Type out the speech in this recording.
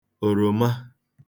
òròma